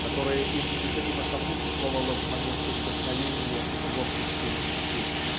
которое им незримо сопутствовало в моменты вдохновения и творческой мечты.